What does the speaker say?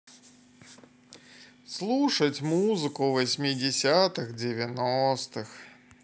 слушать музыку восьмидесятых девяностых